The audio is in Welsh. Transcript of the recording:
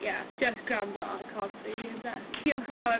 Ie jyst grando ar y corff rili ynde? Diolch o galon...